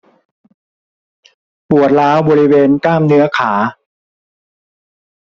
ปวดร้าวบริเวณกล้ามเนื้อขา